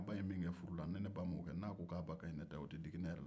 a ba ye min kɛ furu la ni ne ba ma o kɛ n'a ko ko a ba ka ɲi ni ne ta ye o tɛ digi ne la